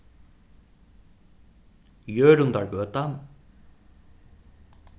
jørundargøta